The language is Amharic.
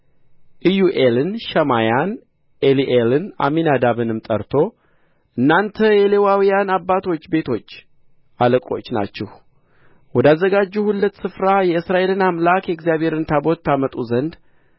ኢዮኤልን ሸማያን ኤሊኤልን አሚናዳብንም ጠርቶ እናንተ የሌዋውያን አባቶች ቤቶች አለቆች ናችሁ ወዳዘጋጀሁለት ስፍራ የእስራኤልን አምላክ የእግዚአብሔርን ታቦት ታመጡ ዘንድ